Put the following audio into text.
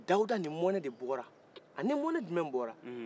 dawuda ni mɔnɛ de bɔra ani mɔnɛ jumɛ de bɔra